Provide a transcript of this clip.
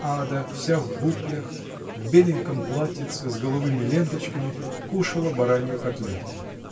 Ада, вся в буклях, в беленьком платьице с голубыми ленточками, кушала баранью котлетку.